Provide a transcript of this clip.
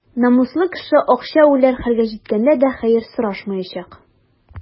Намуслы кеше ачка үләр хәлгә җиткәндә дә хәер сорашмаячак.